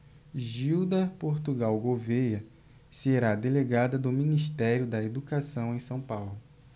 gilda portugal gouvêa será delegada do ministério da educação em são paulo